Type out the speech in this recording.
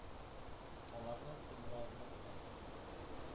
Аларны тыңларлык та,